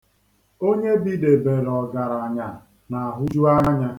Onye bidebere ọgaranya na-ahụju anya.